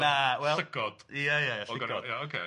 Na, wel, llygod, ia ia llygod ia ocê.